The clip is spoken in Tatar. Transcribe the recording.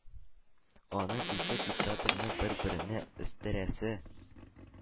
Аның ике диктаторны бер-беренә өстерәсе,